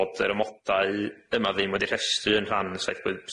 bod yr amodau yma ddim wedi rhestru yn rhan saith pwy-